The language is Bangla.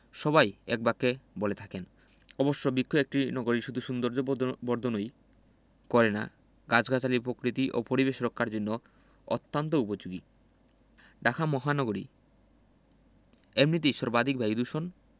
সবাই একবাক্যে বলে থাকেন অবশ্য বৃক্ষ একটি নগরীর শুধু সৌন্দর্যবর্ধনই করে না গাছগাছালি প্রকৃতি ও পরিবেশ রক্ষার জন্যও অত্যন্ত উপযোগী ঢাকা মহানগরী এমনিতেই সর্বাধিক বায়ুদূষণ